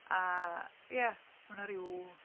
A ia mae 'na ryw...